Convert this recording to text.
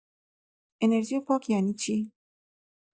انرژی پاک یعنی چی؟